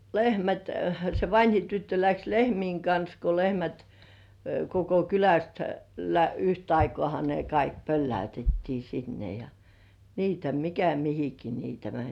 lehmät se vanhin tyttö lähti lehmien kanssa kun lehmät koko kylästä yhtä aikaahan ne kaikki pölläytettiin sinne ja niitä mikä mihinkin niitä meni